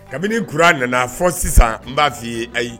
Kabini k a nana fɔ sisan n b'a f fɔ i ye ayi